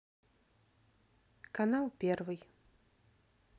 канал первый